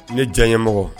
Ne diya ye mɔgɔ